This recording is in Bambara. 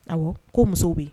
Ɔwɔ ko musow bɛ yen